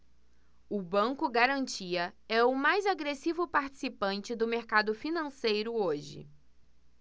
o banco garantia é o mais agressivo participante do mercado financeiro hoje